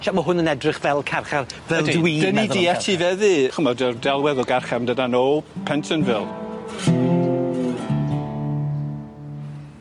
Sha- ma' hwn yn edrych fel carchar fel dw i 'di etifeddu ch'mod yr delwedd o garchar o Pentonville.